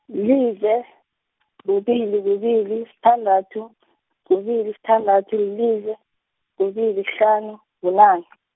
lilize, kubili, kubili, sithandathu , kubili, sithandathu, lilize, kubili, sihlanu, bunane .